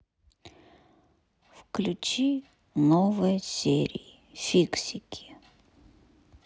включи новые серии фиксики